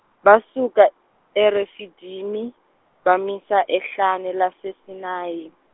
basuka, eRefidimi bamisa ehlane laseSinayi.